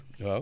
waaw